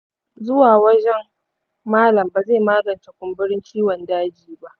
zuwa wajen malam bazai magance kumburin ciwon daji ba.